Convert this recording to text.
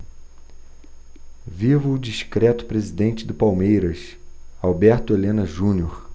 viva o discreto presidente do palmeiras alberto helena junior